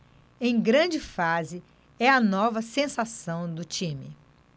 em grande fase é a nova sensação do time